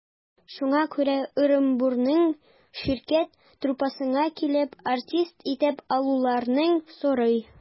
Шуңа күрә Ырынбурның «Ширкәт» труппасына килеп, артист итеп алуларын сорый.